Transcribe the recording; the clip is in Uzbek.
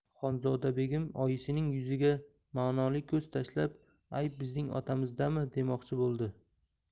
xonzoda begim oyisining yuziga manoli ko'z tashlab ayb bizning otamizdami demoqchi bo'ldi